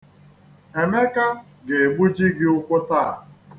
Emeka ga-egbuji gị ụkwụ taa.